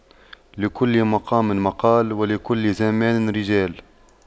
لكل مقام مقال ولكل زمان رجال